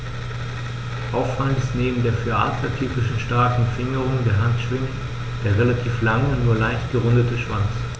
Auffallend ist neben der für Adler typischen starken Fingerung der Handschwingen der relativ lange, nur leicht gerundete Schwanz.